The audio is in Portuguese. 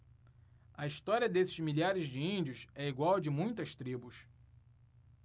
a história desses milhares de índios é igual à de muitas tribos